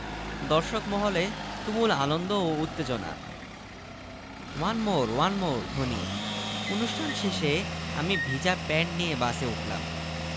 আমার কন্যারা দেখলাম দেশীয় সংস্কৃতির প্রতি গাঢ় অনুরাগ নিয়ে জন্মেছে যাই দেখাচ্ছে তাই তাদের চিত্তকে উদ্বেলিত করছে তাই তারা কিনবে